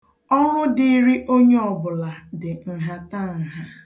Ọrụ dịịrị onye ọbụla dị nhatanha.